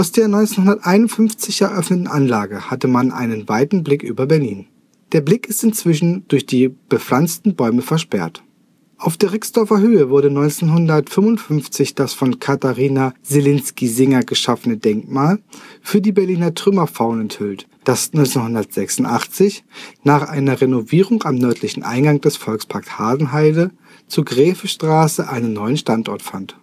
der 1951 eröffneten Anlage hatte man einen weiten Blick über Berlin (der Blick ist inzwischen durch die gepflanzten Bäume versperrt). Auf der Rixdorfer Höhe wurde 1955 das von Katharina Szelinski-Singer geschaffene Denkmal für die Berliner Trümmerfrauen enthüllt, das 1986 nach einer Renovierung am nördlichen Eingang des Volksparks Hasenheide zur Graefestraße einen neuen Standort fand